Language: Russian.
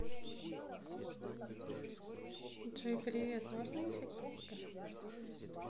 джой привет можно еще кисиков